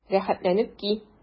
Рәхәтләнеп ки!